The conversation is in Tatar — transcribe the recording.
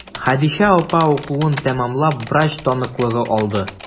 Хәдичә апа укуын тәмамлап, врач таныклыгы алды.